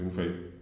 du ñu fay